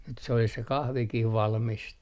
nyt se olisi se kahvikin valmista